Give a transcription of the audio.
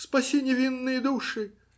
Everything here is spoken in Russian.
Спаси невинные души!